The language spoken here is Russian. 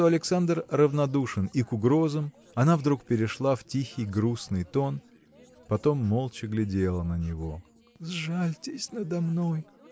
что Александр равнодушен и к угрозам она вдруг перешла в тихий грустный тон потом молча глядела на него. – Сжальтесь надо мной!